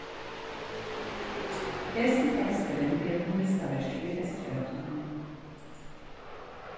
hesin teksturin er um listaverkið í eysturoyartunlinum